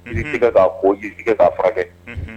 I be ji kɛ k'a ko i be ji kɛ k'a furakɛ unhun